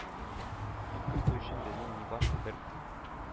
Туп кертү өчен безнең нибары – бер,